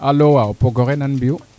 Alo waaw o pogoxe nan mbiyu